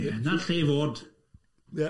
Ie, na'n lle i fod. Ie.